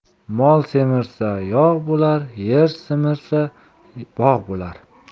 mol semirsa yog' bo'lar yer semirsa bog' bo'lar